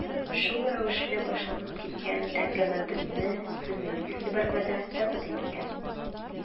Шул рәвешле башланып киткән әңгәмәбезне сезнең игътибарга да тәкъдим итәм.